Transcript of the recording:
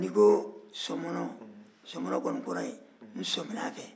n'i ko sɔmɔnɔ sɔmɔnɔ kɔni kɔrɔ ye n sɔminna fɛ